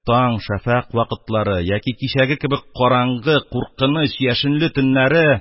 Таң, шәфәкъ вакытлары яки кичәге кебек караңгы, куркыныч, яшенле төннәре